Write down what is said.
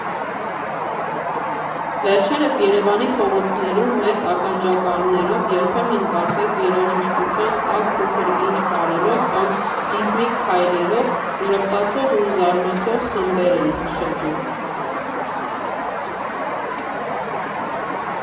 Վերջերս Երևանի փողոցներում մեծ ականջակալներով, երբեմն կարծես երաժշտության տակ փոքր֊ինչ պարելով կամ ռիթմիկ քայլերով, ժպտացող ու զարմացող խմբեր են շրջում։